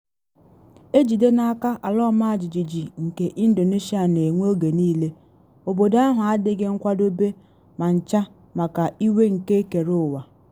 Ejide n’aka ala ọmajijiji nke Indonesia na enwe oge niile, obodo ahụ adịghị nkwadobe ma ncha maka iwe nke ekereụwa.